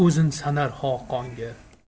o'zin sanar xoqonga